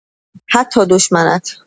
حتی دشمنت